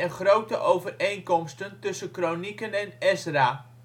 grote overeenkomsten tussen Kronieken en Ezra